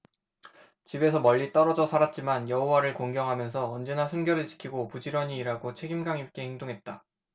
집에서 멀리 떨어져 살았지만 여호와를 공경하면서 언제나 순결을 지키고 부지런히 일하고 책임감 있게 행동했다